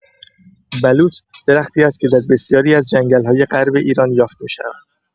بلوط درختی است که در بسیاری از جنگل‌های غرب ایران یافت می‌شود.